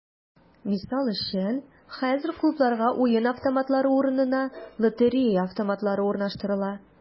Мисал өчен, хәзер клубларга уен автоматлары урынына “лотерея автоматлары” урнаштырыла.